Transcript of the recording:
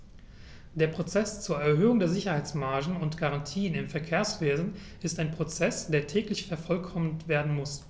Der Prozess zur Erhöhung der Sicherheitsmargen und -garantien im Verkehrswesen ist ein Prozess, der täglich vervollkommnet werden muss.